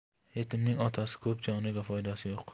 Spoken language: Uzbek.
yetimning otasi ko'p joniga foydasi yo'q